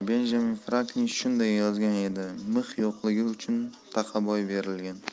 benjamin franklin shunday yozgan edi mix yo'qligi uchun taqa boy berilgan